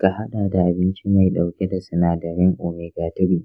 ka haɗa da abinci mai ɗauke da sinadarin omega-three,